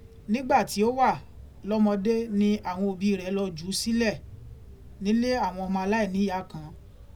Nígbà tí ó wà lọ́mọdé ni àwọn òbí rẹ̀ lọ jù ú sílẹ̀ nílé àwọn ọmọ aláìníyàá kan.